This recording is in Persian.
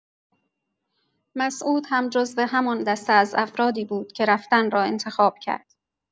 مسعود هم جزو همان دسته از افرادی بود که رفتن را انتخاب کرد.